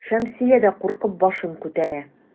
Шәмсия дә куркып башын күтәрә.